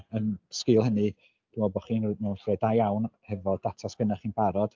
Yn sgil hynny dwi'n meddwl bod chi'n rhoi nhw mewn lle da iawn hefo'r data sydd gynno chi'n barod.